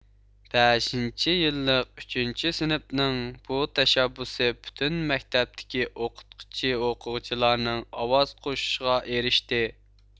بەشىنچى يىللىق ئۈچىنچى سىنىپنىڭ بۇ تەشەببۇسى پۈتۈن مەكتەپتىكى ئوقۇتقۇچى ئوقۇغۇچىلارنىڭ ئاۋاز قوشۇشىغا ئېرىشتى